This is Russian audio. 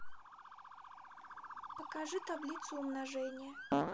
покажи таблицу умножения